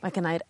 Mae gynnai'r